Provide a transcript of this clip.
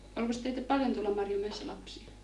olikos teitä paljon tuolla Marjomäessä lapsia